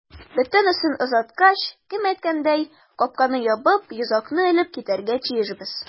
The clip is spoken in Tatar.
Бөтенесен озаткач, кем әйткәндәй, капканы ябып, йозакны элеп китәргә тиешбез.